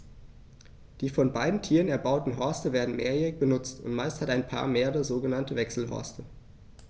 Die von beiden Tieren erbauten Horste werden mehrjährig benutzt, und meist hat ein Paar mehrere sogenannte Wechselhorste.